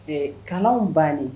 Ee kalan ban